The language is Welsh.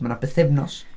Mae na bythefnos.